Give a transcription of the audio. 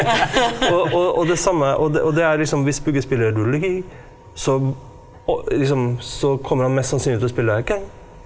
og og og det samme og det og det er liksom hvis Bugge spiller , så og liksom så kommer han mest sannsynlig til å spille .